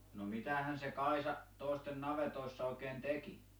no mitähän se Kaisa toisten navetoissa oikein teki